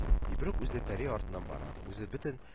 Ибрук үзе пәри артыннан бара, үзе бетен